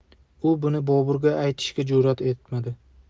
u buni boburga aytishga jurat etmadi